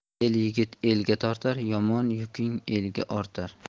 er yigit elga tortar yomon yukin elga ortar